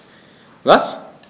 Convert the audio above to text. Was?